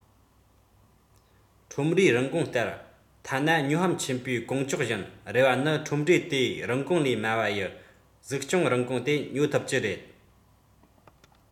ཁྲོམ རའི རིན གོང ལྟར ཐ ན སྨྱོ ཧམ ཆེན པོས གོང བཅོག བཞིན རེ བ ནི ཁྲོམ རའི དེ རིན གོང ལས དམའ བ ཡི གཟིགས སྐྱོང རིན གོང དེ ཉོ ཐུབ ཀྱི རེད